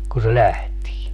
kun se lähtee